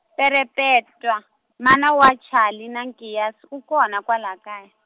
Perepetwa, mana wa Chali na Nkiyasi u kona kwala kaya.